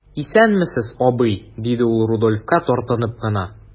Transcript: Исәнмесез, абый,– диде ул Рудольфка, тартынып кына.